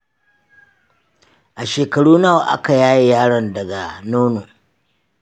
a shakaru nawa aka yaye yaron daga nono?